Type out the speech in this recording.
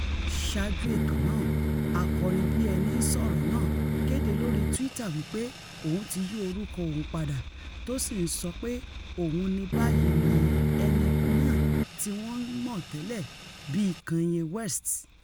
Saájú ètò náà, akọrinbíẹnití-ń-sọ̀rọ̀ náà kéde lori Twitter wí pé òun ti yí orúkọ òun pada, tósì ńsọ pé òun ní báyìí ni ''ẹni náà tíwọ́n mọ̀ tẹ́lệ bíi Kanye West.''